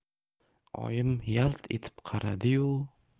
pastki labini tishlab bilinar bilinmas bosh chayqab qo'ydi